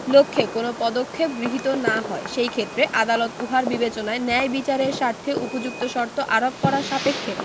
লক্ষে কোন পদক্ষেপ গৃহীত না হয় সেইক্ষেত্রে আদালত উহার বিবেচনায় ন্যায় বিচারের স্বার্থে উপযুক্ত শর্ত আরোপ করা সাপেক্ষে